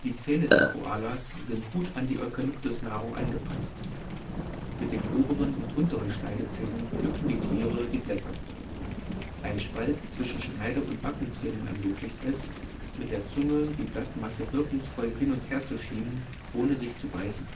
Zähne der Koalas sind gut an die Eukalyptusnahrung angepasst. Mit den oberen und unteren Schneidezähnen pflücken die Tiere die Blätter. Ein Spalt zwischen Schneide - und Backenzähnen ermöglicht es, mit der Zunge die Blattmasse wirkungsvoll hin - und her zu schieben ohne sich zu beißen